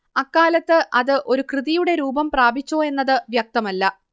അക്കാലത്ത് അത് ഒരു കൃതിയുടെ രൂപം പ്രാപിച്ചോ എന്നത് വ്യക്തമല്ല